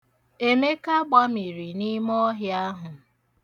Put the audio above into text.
Emeka gbamiri n'ime ọhịa ahụ.